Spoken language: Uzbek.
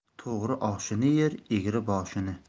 to'g'ri oshini yer egri boshini